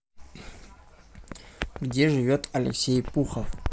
где живет алексей пухов